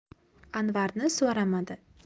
anvarni so'ramadi